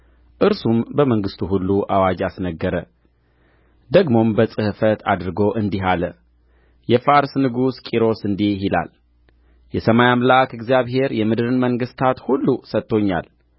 እርሱም በመንግሥቱ ሁሉ አዋጅ አስነገረ ደግሞም በጽሕፈት አድርጎ እንዲህ አለ የፋርስ ንጉሥ ቂሮስ እንዲህ ይላል የሰማይ አምላክ እግዚአብሔር የምድርን መንግሥታት ሁሉ ሰጥቶኛል